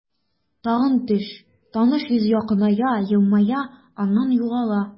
Тагын төш, таныш йөз якыная, елмая, аннан югала.